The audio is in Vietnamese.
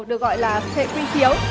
được gọi là hệ quy chiếu